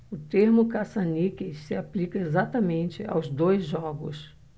o termo caça-níqueis se aplica exatamente aos dois jogos